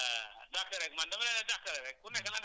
kon loolu daal mooy sa conseil si wàllu béykatu dugub yi